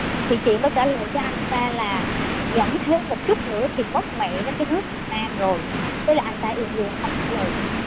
thì chị mới trả lời với anh ta là nhẫn thêm một chút nữa thì mất mẹ nó cái nước việt nam rồi thế là anh ta im luôn không trả lời nữa